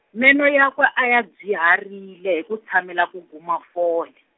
meno yakwe a ya dzwiharile hi ku tshamela ku guma fole.